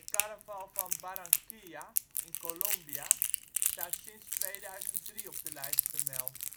carnaval van Barranquilla, Colombia, staat sinds 2003 op de lijst vermeld